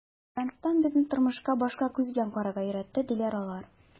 “әфганстан безне тормышка башка күз белән карарга өйрәтте”, - диләр алар.